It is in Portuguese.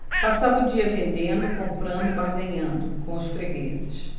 passava o dia vendendo comprando barganhando com os fregueses